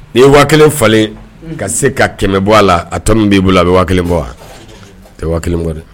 Nii ye waa kelen falen ka se ka kɛmɛ bɔ a la ato min b'i bolo a bɛ waati kelen bɔ tɛ waati bɔ dɛ